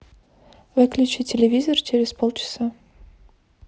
выключить телевизор через полчаса